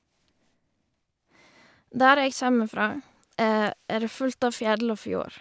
Der jeg kjeme fra er det fullt av fjell og fjord.